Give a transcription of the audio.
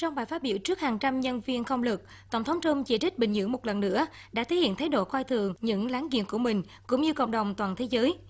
trong bài phát biểu trước hàng trăm nhân viên không lực tổng thống trăm chỉ trích bình nhưỡng một lần nữa đã thể hiện thái độ coi thường những láng giềng của mình cũng như cộng đồng toàn thế giới